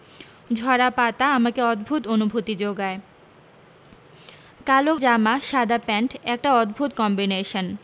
ঝরা পাতা আমাকে অদ্ভুত অনুভুতি যোগায় কালো জামা সাদা পেন্ট একটা অদ্ভুত কমবিনেশন